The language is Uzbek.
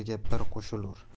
ustiga biri qo'shilur